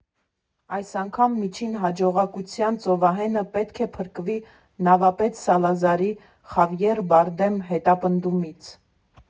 Այս անգամ միջին հաջողակության ծովահենը պետք է փրկվի նավապետ Սալազարի (Խավիեր Բարդեմ) հետապնդումից։